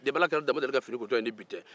depi ala ka ne da n ma deli ka fini kotɔ ye ni bi tɛ